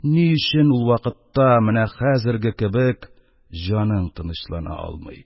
Ни өчен ул вакытта менә хәзерге кебек җаның тынычлана алмый?